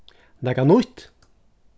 nakað nýtt